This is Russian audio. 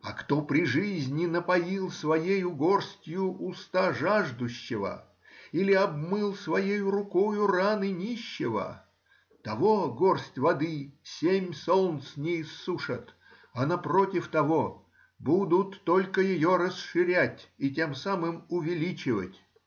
а кто при жизни напоил своею горстью уста жаждущего или обмыл своею рукою раны нищего, того горсть воды семь солнц не иссушат, а, напротив того, будут только ее расширять и тем самым увеличивать.